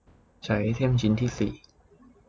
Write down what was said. ใช้ไอเทมชิ้นที่สี่